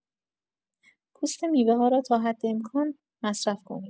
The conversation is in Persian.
پوست میوه‌ها را تا حد امکان مصرف کنید.